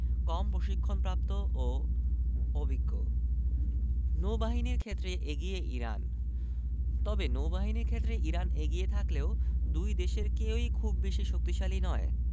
কম প্রশিক্ষণপ্রাপ্ত ও অভিজ্ঞ নৌবাহিনীর ক্ষেত্রে এগিয়ে ইরান তবে নৌবাহিনীর ক্ষেত্রে ইরান এগিয়ে থাকলেও দুই দেশের কেউই খুব বেশি শক্তিশালী নয়